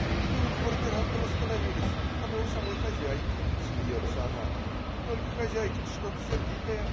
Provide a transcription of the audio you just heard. "Вы у квартирантов остановились, а мы у самой хозяйки,- смеется она,- только хозяйка-то что-то сердитая.